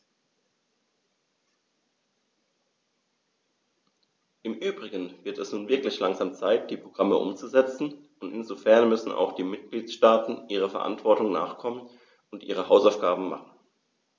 Im übrigen wird es nun wirklich langsam Zeit, die Programme umzusetzen, und insofern müssen auch die Mitgliedstaaten ihrer Verantwortung nachkommen und ihre Hausaufgaben machen.